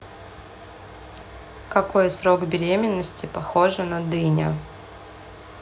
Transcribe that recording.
какой срок беременности похожа на дыня